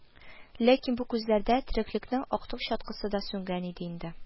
Ләкин бу күзләрдә тереклекнең актык чаткысы да сүнгән иде инде